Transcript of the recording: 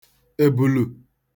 èbùlù